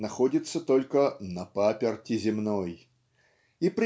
находится только "на паперти земной" и